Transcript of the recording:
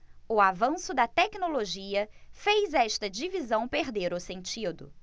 o avanço da tecnologia fez esta divisão perder o sentido